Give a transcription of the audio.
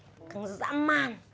căng dã man